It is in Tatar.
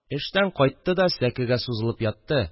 Эштән кайтты да сәкегә сузылып ятты